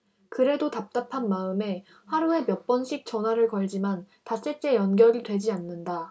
그래도 답답한 마음에 하루에 몇 번씩 전화를 걸지만 닷새째 연결이 되지 않는다